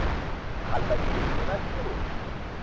qalbakilik emasmi bu